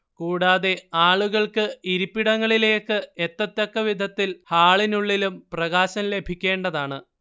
കൂടാതെ ആളുകൾക്ക് ഇരിപ്പിടങ്ങളിലേക്ക് എത്തത്തക്കവിധത്തിൽ ഹാളിനുള്ളിലും പ്രകാശം ലഭിക്കേണ്ടതാണ്